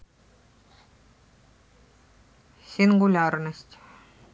сингулярность